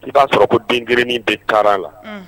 K'i b'a sɔrɔ ko den kelennin bɛ taaran la, un